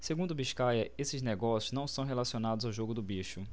segundo biscaia esses negócios não são relacionados ao jogo do bicho